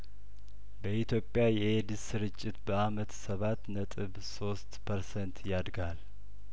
በኢትዮጵያ የኤድስ ስርጭት በአመት ሰባት ነጥብ ሶስት ፐርሰንት ያድጋል